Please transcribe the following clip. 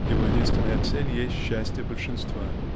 его единственная цель есть счастье большинства